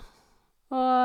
Og...